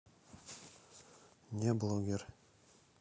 не блогер